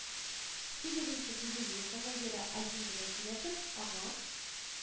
Сигезенче дивизия командиры азин белән сөйләшеп, аңа